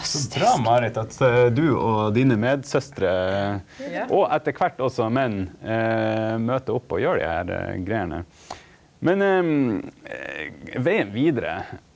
så bra Marit at du og dine medsøstrer og etter kvart også menn møter opp og gjer dei her greiene men vegen vidare.